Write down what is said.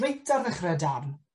Reit ar ddechre y darn.